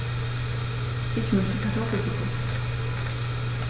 Ich möchte Kartoffelsuppe.